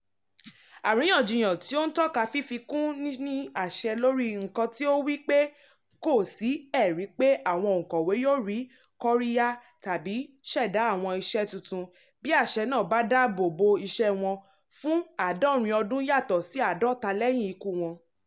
Àríyànjiyàn tí ó ń tako fífi kún níní àṣẹ lórí nǹkan ni wí pé kò sí ẹ̀rí pé àwọn òǹkọ̀wé yóò rí kóríyá láti ṣẹ̀dá àwọn iṣẹ́ tuntun bí àṣẹ náà bá dáàbò bo iṣẹ́ wọn fún àádọ́rin ọdún yàtọ̀ sí àádọ́ta lẹ́yìn ikú wọn.